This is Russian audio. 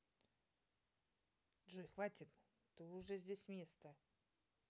джой хватит ты уже здесь место